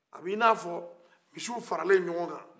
a b'inafɔ misiw faralen ɲɔgɔn kan